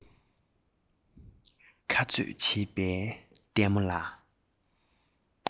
ཁ རྩོད བྱེད པའི ལྟད མོ ལ